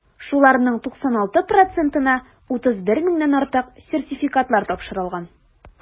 Шуларның 96 процентына (31 меңнән артык) сертификатлар тапшырылган.